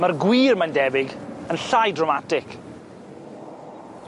Ma'r gwir, mae'n debyg, yn llai dramatic.